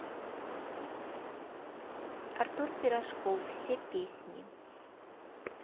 артур пирожков все песни